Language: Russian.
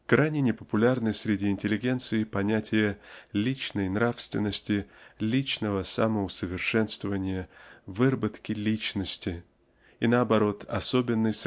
Крайне непопулярны среди интеллигенции понятия личной нравственности личного самоусовершенствования выработки личности (и наоборот особенный